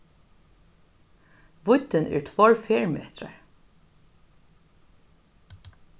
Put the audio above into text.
víddin er tveir fermetrar